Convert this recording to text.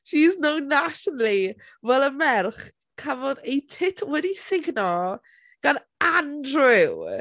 She's known nationally fel y merch cafodd ei tit wedi sugno gan Andrew!